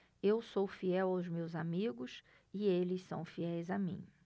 eu sou fiel aos meus amigos e eles são fiéis a mim